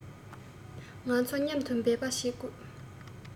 ང ཚོས མཉམ དུ འབད པ བྱ དགོས